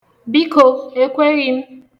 Biko, ekweghị!